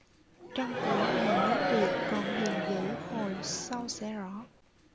trong của nàng mới tuyệt còn hiền dữ hồi sau sẽ rõ